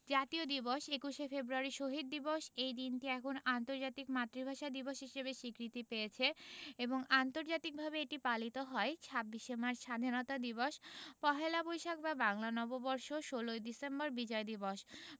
জাতীয় দিবসঃ ২১শে ফেব্রুয়ারি শহীদ দিবস এই দিনটি এখন আন্তর্জাতিক মাতৃভাষা দিবস হিসেবে স্বীকৃতি পেয়েছে এবং আন্তর্জাতিকভাবে এটি পালিত হয় ২৬শে মার্চ স্বাধীনতা দিবস পহেলা বৈশাখ বা বাংলা নববর্ষ ১৬ই ডিসেম্বর বিজয় দিবস